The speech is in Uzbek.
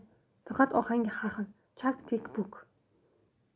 faqat ohangi har xil chak tikpuk